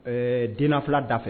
Ɛɛ den filada fɛ